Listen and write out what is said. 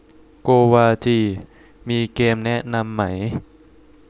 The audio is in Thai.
โกวาจีมีเกมแนะนำไหม